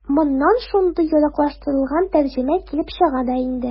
Моннан шундый яраклаштырылган тәрҗемә килеп чыга да инде.